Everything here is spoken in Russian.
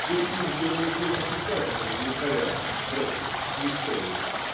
Да уж не вздумалось ли вам писать этого глухаря? Бросьте, не стоит.